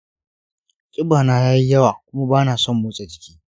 ƙiba na yayi yawa kuma bana son motsa jiki